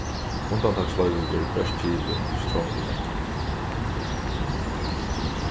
undantaksloyvi verður bert givið undir strongum eftirliti